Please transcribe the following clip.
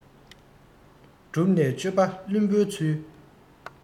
གྲུབ ནས དཔྱོད པ བླུན པོའི ཚུལ